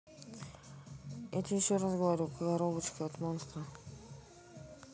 я тебе еще раз говорю коровочка от монстра